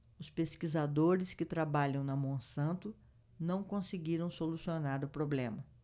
os pesquisadores que trabalham na monsanto não conseguiram solucionar o problema